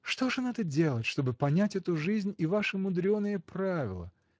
— Что же надо делать, чтоб понять эту жизнь и ваши мудреные правила?